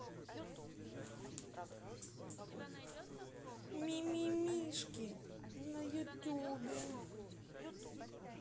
мимимишки на ютубе